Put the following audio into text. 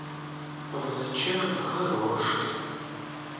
в начале хороший